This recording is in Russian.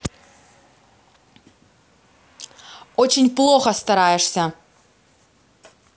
очень плохо стараешься